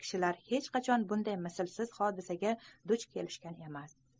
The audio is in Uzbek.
kishilar hech qachon bunday mislsiz hodisaga duch kelishgan emas